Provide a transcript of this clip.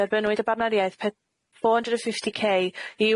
derbynwyd y barneriaeth ped- four hundred and fifty Kay i